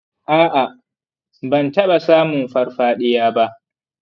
a’a, ban taɓa samun farfaɗiya ba.